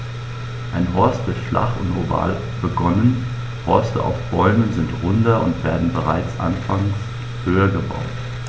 Ein Horst wird flach und oval begonnen, Horste auf Bäumen sind runder und werden bereits anfangs höher gebaut.